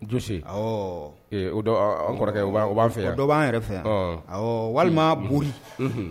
Jose ɔwɔ an kɔrɔkɛ b'a fɛ yan o dɔ b'an yɛrɛ fɛ yan walima bori